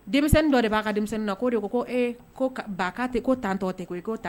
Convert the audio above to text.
Denmisɛnninmi dɔ de b'a ka denmisɛnninmi na ko de ko e ko ba tɛ ko tantɔ tɛ ko